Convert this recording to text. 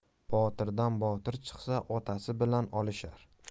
botirdan botir chiqsa otasi bilan olishar